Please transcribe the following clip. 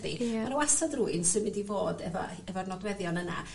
...chdi. Ia. Ma' 'na wastad rywun sy fynd i fod efo efo'r nodweddion yna.